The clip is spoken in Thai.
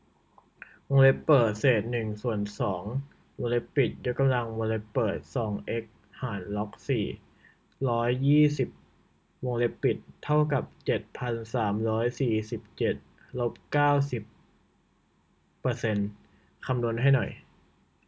วงเล็บเปิดเศษหนึ่งส่วนสองวงเล็บปิดยกกำลังวงเล็บเปิดสองเอ็กซ์หารล็อกสี่ร้อยยี่สิบวงเล็บปิดเท่ากับเจ็ดพันสามร้อยสี่สิบเจ็ดลบเก้าสิบเปอร์เซ็นต์คำนวณให้หน่อย